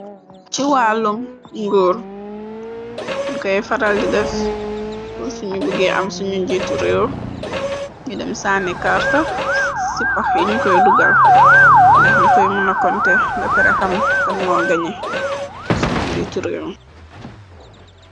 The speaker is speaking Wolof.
Ci waalum nguur ñu koy faral di def ur suñu buge. Am sunu njitu réew ñu dem saani karta ci pox yiñu koy dugal ndax ñu koy mëna konte. Ba perexam kan moo gañe suñu njitu rée.